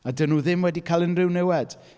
A 'dyn nhw ddim wedi cael unrhyw niwed.